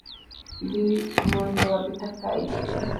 Lii montor di takkaayu jigéen